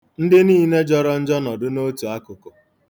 Ndị niile jọrọ njọ nọdụ n'otu akụkụ.